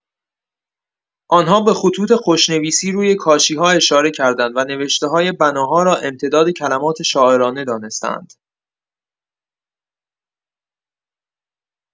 آن‌ها به خطوط خوشنویسی روی کاشی‌ها اشاره کرده‌اند و نوشته‌های بناها را امتداد کلمات شاعرانه دانسته‌اند.